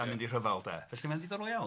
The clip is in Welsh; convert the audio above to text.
a mynd i rhyfel de, felly mae'n ddiddorol iawn.